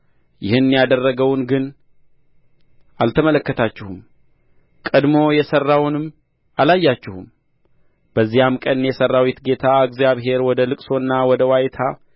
ይህን ያደረገውን ግን አልተመለከታችሁም ቀድሞ የሠራውንም አላያችሁም በዚያም ቀን የሠራዊት ጌታ እግዚአብሔር ወደ ልቅሶና ወደ ዋይታ